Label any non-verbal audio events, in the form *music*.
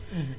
*hesitation*